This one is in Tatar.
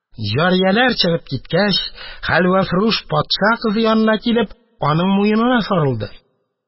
Җарияләр чыгып киткәч, хәлвәфрүш, патша кызы янына килеп, аның муенына сарылды.